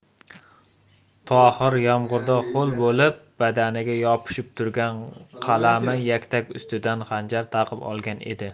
tohir yomg'irda ho'l bo'lib badaniga yopishib turgan qalami yaktak ustidan xanjar taqib olgan edi